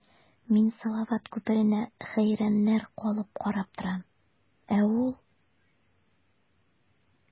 Мин салават күперенә хәйраннар калып карап торам, ә ул...